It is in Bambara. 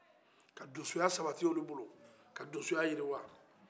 ka donsoya sabati olu bolo ka donsoya jiriwa